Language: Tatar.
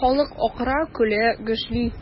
Халык акыра, көлә, гөжли.